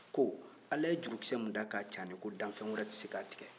ko ala jurukisɛ min dan k'a caani ko dafɛn wɛrɛ tɛ se k'a tigɛ